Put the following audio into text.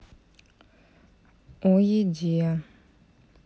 о еде